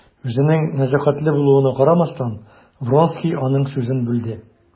Үзенең нәзакәтле булуына карамастан, Вронский аның сүзен бүлде.